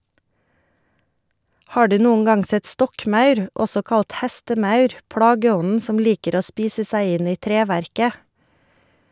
Har du noen gang sett stokkmaur, også kalt hestemaur, plageånden som liker å spise seg inn i treverket?